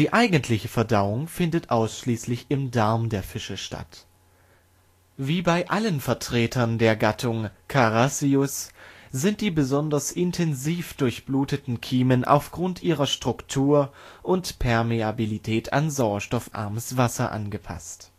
eigentliche Verdauung findet ausschließlich im Darm der Fische statt. Wie bei allen Vertretern der Gattung Carassius sind die besonders intensiv durchbluteten Kiemen aufgrund ihrer Struktur und Permeabilität an sauerstoffarmes Wasser angepasst